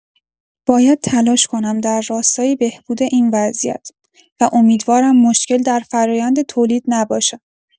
باید تلاش کنم در راستای بهبود این وضعیت و امیدوارم مشکل در فرایند تولید نباشه.